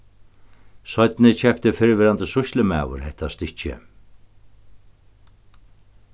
seinni keypti fyrrverandi sýslumaður hetta stykkið